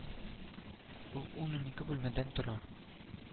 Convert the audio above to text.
Ул ун-унике бүлмәдән тора